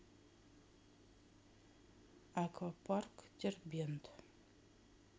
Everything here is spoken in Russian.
аквапарк дербент